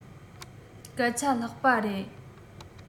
སྐད ཆ ལྷག པ རེད